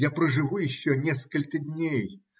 Я проживу еще несколько дней.